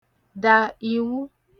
dà ìwu